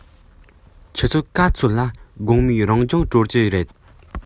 ཆུ ཚོད ག ཚོད ལ དགོང མོའི རང སྦྱོང གྲོལ གྱི རེད